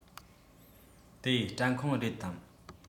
དེ སྐྲ ཁང རེད དམ